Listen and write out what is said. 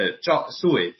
yy joc y swydd